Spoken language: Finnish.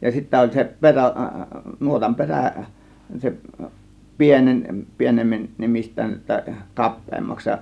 ja sitten oli se perä nuotan perä se pieneni - pienenemistään jotta kapeammaksi ja